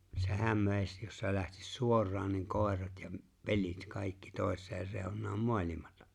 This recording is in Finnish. sehän veisi jos se lähtisi suoraan niin koirat ja - pelit kaikki toiseen reunaan maailmaa